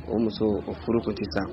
O muso o furu tun tɛ tan